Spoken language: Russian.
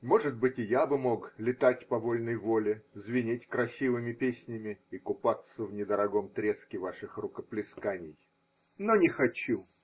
Может быть, и я бы мог летать по вольной воле, звенеть красивыми песнями и купаться в недорогом треске ваших рукоплесканий. Но не хочу.